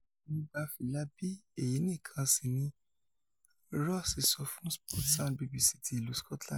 Mo gba fílà B èyí nìkan sìni, ‘’Ross sọ fún Sportsound BBC ti Ìlu Scotland.